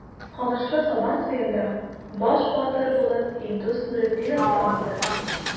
Камышлы Сабан туенда баш батыр булып Илдус Нуретдинов танылды.